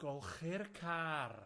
Golchi'r car.